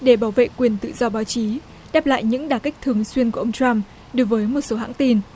để bảo vệ quyền tự do báo chí đáp lại những đả kích thường xuyên của ông trăm đối với một số hãng tin